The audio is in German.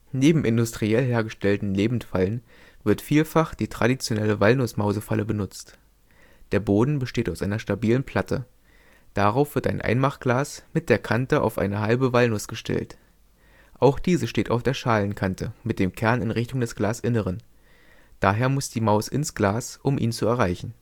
Neben industriell hergestellten Lebendfallen wird vielfach die traditionelle Walnuss-Mausefalle benutzt. Der Boden besteht aus einer stabilen Platte. Darauf wird ein Einmachglas mit der Kante auf eine halbe Walnuss gestellt. Auch diese steht auf der Schalenkante, mit dem Kern in Richtung des Glasinneren. Daher muss die Maus ins Glas, um ihn zu erreichen